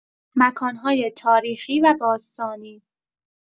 مکان‌های تاریخی و باستانی